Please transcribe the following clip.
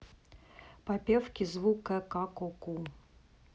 попевки звук кэ ка ко ку